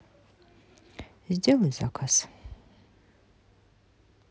сделай заказ